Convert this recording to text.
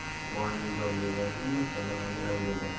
boyning jon bergani bilinmas kambag'alning non bergani